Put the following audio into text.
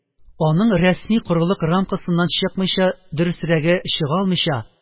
Аның рәсми корылык рамкасыннан чыкмыйча, дөресрәге, чыга алмыйча